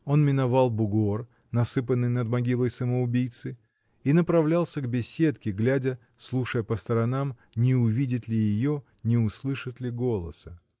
Он миновал бугор, насыпанный над могилой самоубийцы, и направлялся к беседке, глядя, слушая по сторонам, не увидит ли ее, не услышит ли голоса.